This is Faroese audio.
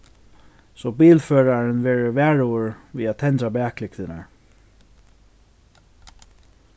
so bilførarin verður varugur við at tendra baklyktirnar